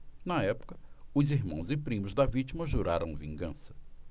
na época os irmãos e primos da vítima juraram vingança